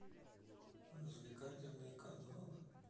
развлекательные каналы